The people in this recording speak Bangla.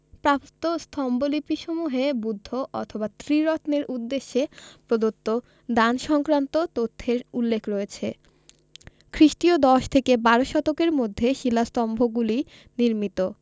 প্রাপ্ত স্তম্ভলিপিসমূহে বুদ্ধ অথবা ত্রিরত্নের উদ্দেশ্যে প্রদত্ত দান সংক্রান্ত তথ্যের উল্লেখ রয়েছে খ্রিস্টীয় দশ থেকে বারো শতকের মধ্যে শিলাস্তম্ভগুলি নির্মিত